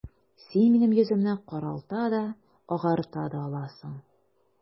Син минем йөземне каралта да, агарта да аласың...